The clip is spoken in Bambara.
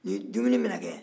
ni dumuni bɛ na kɛ